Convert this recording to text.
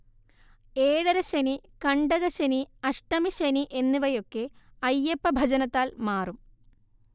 ഏഴരശ്ശനി, കണ്ടകശ്ശനി, അഷ്ടമിശനി എന്നിവയൊക്കെ അയ്യപ്പഭജനത്താൽ മാറും